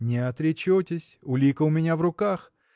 не отречетесь: улика у меня в руках.